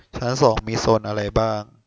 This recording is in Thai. ชั้นสองมีโซนอะไรบ้าง